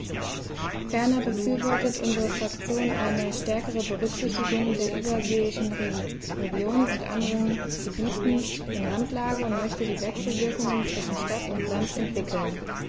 Ferner befürwortet unsere Fraktion eine stärkere Berücksichtigung der überseeischen Regionen und anderen Gebieten in Randlage und möchte die Wechselwirkungen zwischen Stadt und Land entwickeln.